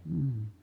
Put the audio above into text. mm